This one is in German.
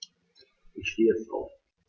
Ich stehe jetzt auf.